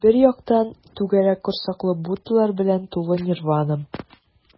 Бер яктан - түгәрәк корсаклы буддалар белән тулы нирвана.